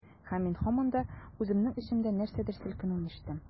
Һәм мин һаман да үземнең эчемдә нәрсәдер селкенүен ишетәм.